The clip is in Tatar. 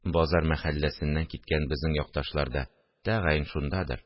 Базар мәхәлләсеннән киткән безнең якташлар да тәгаен шундадыр